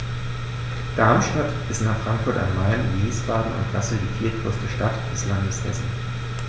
Darmstadt ist nach Frankfurt am Main, Wiesbaden und Kassel die viertgrößte Stadt des Landes Hessen